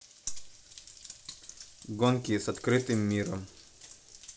гонки с открытым миром